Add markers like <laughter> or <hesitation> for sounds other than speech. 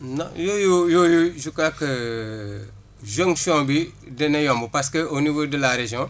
ndax yooyu yooyu je crois que <hesitation> jonction bidana yomb parce que au niveau de la région